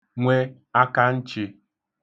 nwe akanchị